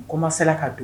Koma sala ka don